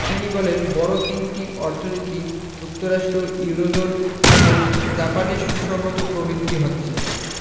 তিনি বলেন বড় তিনটি অর্থনীতি যুক্তরাষ্ট্র ইউরোজোন এবং জাপানের সুসংহত প্রবৃদ্ধি হচ্ছে